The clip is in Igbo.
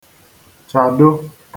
-chàdo